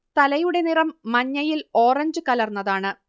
തലയുടെ നിറം മഞ്ഞയിൽ ഓറഞ്ച് കലർന്നതാണ്